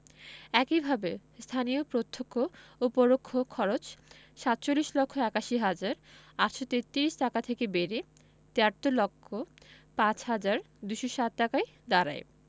একইভাবে স্থানীয় প্রত্যক্ষ ও পরোক্ষ খরচ ৪৭ লক্ষ ৮১ হাজার ৮৩৩ টাকা থেকে বেড়ে ৭৩ লক্ষ ৫ হাজার ২৬০ টাকায় দাঁড়ায়